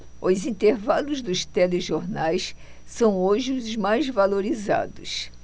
os intervalos dos telejornais são hoje os mais valorizados